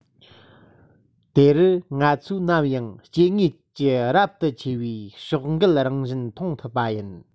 དེ རུ ང ཚོས ནམ ཡང སྐྱེ དངོས ཀྱི རབ ཏུ ཆེ བའི ཕྱོགས འགལ རང བཞིན མཐོང ཐུབ པ ཡིན